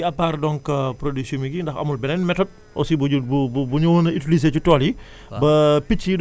léegi à part donc produits chimiques yi ndax amul beneen méthode aussi bu ñu bu bu bu ñu mun a utiliser ci tool yi